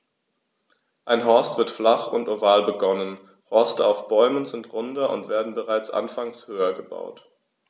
Ein Horst wird flach und oval begonnen, Horste auf Bäumen sind runder und werden bereits anfangs höher gebaut.